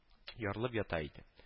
Ярылып ята иде